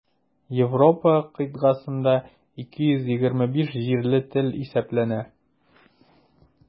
Европа кыйтгасында 225 җирле тел исәпләнә.